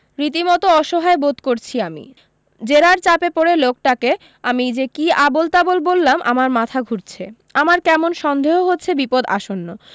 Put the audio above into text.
রীতিমতো অসহায় বোধ করছি আমি জেরার চাপে পড়ে লোকটাকে আমি যে কী আবোল তাবোল বললাম আমার মাথা ঘুরছে আমার কেমন সন্দেহ হচ্ছে বিপদ আসন্ন